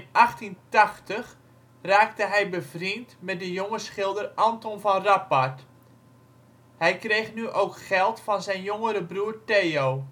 1880 raakte hij bevriend met de jonge schilder Anthon van Rappard. Hij kreeg nu ook geld van zijn jongere broer Theo